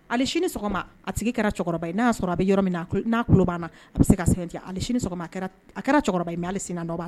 Ali sini sɔgɔma a kɛra n'a'a sɔrɔ a bɛ yɔrɔ min n'a banna a bɛ se ka segin ali a kɛra aliina